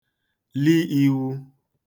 li īwū